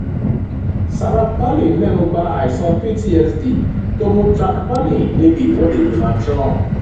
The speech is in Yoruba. Sarah Palin mẹ́nu ba àìsàn PTSD tó mú Track Palin níbi ìwọ́de Donald Trump